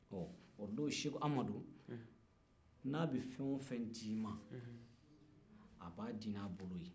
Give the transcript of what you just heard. o don seko amadu n'a bɛ fɛn o fɛn d'i ma a b'a di n'a bolo ye